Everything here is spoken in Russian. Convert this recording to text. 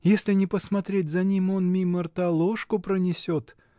Если не посмотреть за ним, он мимо рта ложку пронесет.